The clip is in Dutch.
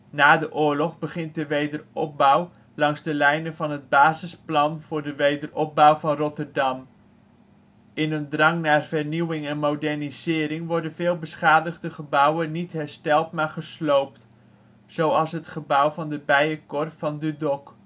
Na de oorlog begint de wederopbouw langs de lijnen van het Basisplan voor de Wederopbouw van Rotterdam. In een drang naar vernieuwing en modernisering worden veel beschadigde gebouwen niet hersteld, maar gesloopt, zoals het gebouw van de Bijenkorf van Dudok